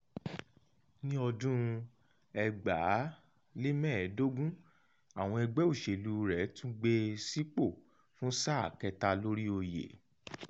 Ní ọdún 2015, àwọn ẹgbẹ́ òṣèlúu rẹ̀ tún gbé e sípò fún sáà kẹ́ta lórí oyè.